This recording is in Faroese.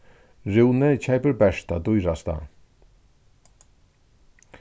rúni keypir bert tað dýrasta